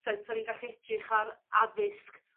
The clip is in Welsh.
t'od 'san ni'n gallu edrych ar addysg